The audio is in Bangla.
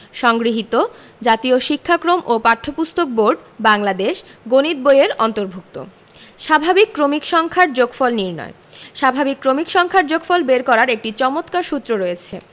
সংগৃহীত জাতীয় শিক্ষাক্রম ও পাঠ্যপুস্তক বোর্ড বাংলাদেশ গণিত বই-এর অন্তর্ভুক্ত স্বাভাবিক ক্রমিক সংখ্যার যোগফল নির্ণয় স্বাভাবিক ক্রমিক সংখ্যার যোগফল বের করার একটি চমৎকার সূত্র রয়েছে